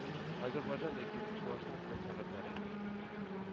Азәрбайҗан яки чуашның мәнфәгатьләре